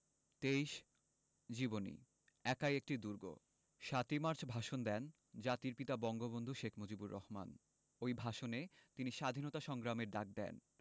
২৩ জীবনী একাই একটি দুর্গ ৭ই মার্চ ভাষণ দেন জাতির পিতা বঙ্গবন্ধু শেখ মুজিবুর রহমান ওই ভাষণে তিনি স্বাধীনতা সংগ্রামের ডাক দেন